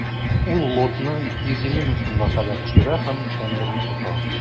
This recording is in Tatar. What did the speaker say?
Ул лотны 250 мең сумга кадәр төшерә һәм тендерны ота.